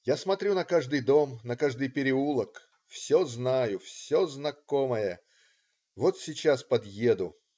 Я смотрю на каждый дом, на каждый переулок. Все знаю. Все знакомое. Вот сейчас подъеду.